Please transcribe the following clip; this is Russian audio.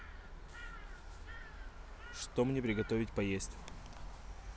что мне приготовить поесть